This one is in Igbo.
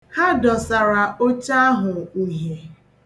Ha dọsara oche ahụ uhie.